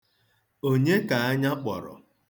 Onye ka anya kpọrọ?